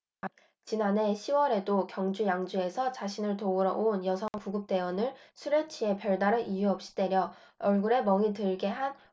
지난해 시 월에도 경기 양주에서 자신을 도우러 온 여성 구급대원을 술에 취해 별다른 이유 없이 때려 얼굴에 멍이 들게 한 오모씨가 경찰에 붙잡혔다